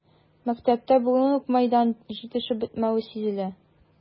Мәктәптә бүген үк мәйдан җитешеп бетмәве сизелә.